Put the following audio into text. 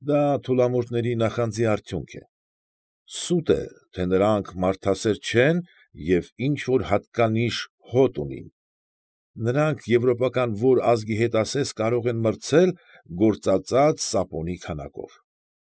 Դա թուլամորթների նախանձի արդյունք է… Սուտ է, թե նրանք մաքրասեր չեն և ինչ֊որ հատկանիշ հոտ ունին. նրանք եվրոպական որ ազգի հետ ասես կարող են մրցել գործածած սապոնի քանակով։